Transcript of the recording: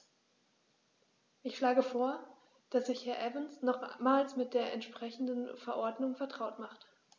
Ich schlage vor, dass sich Herr Evans nochmals mit der entsprechenden Verordnung vertraut macht.